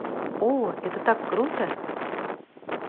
о это так круто